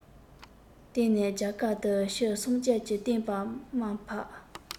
དེ ནས རྒྱ གར དུ ཕྱིན སངས རྒྱས ཀྱི བསྟན པར དམའ ཕབ